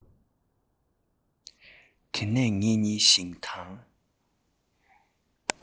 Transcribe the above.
དེ ནས ངེད གཉིས ཞིང ཐང